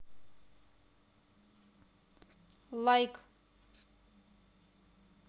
лайк